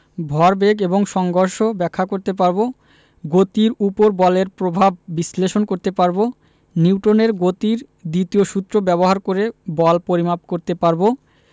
ভরবেগ এবং সংঘর্ষ ব্যাখ্যা করতে পারব গতির উপর বলের প্রভাব বিশ্লেষণ করতে পারব নিউটনের গতির দ্বিতীয় সূত্র ব্যবহার করে বল পরিমাপ করতে পারব